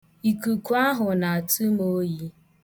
Ikuku ahụ na-atụ m oyi.